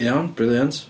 Iawn, brilliant.